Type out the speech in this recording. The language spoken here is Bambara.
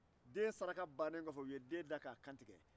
den saraka bannen kɔfɛ u ye den da k'a kantigɛ